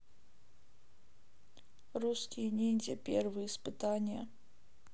русские ниндзя первые испытания